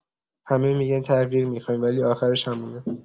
همه می‌گن تغییر می‌خوایم ولی آخرش همونه.